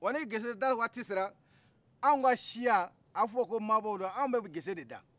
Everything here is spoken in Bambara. wa geseda wati sera anw ka siya a bɛ fɔ ko mabɔ u do an bɛ gese de da